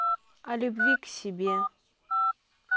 о любви к себе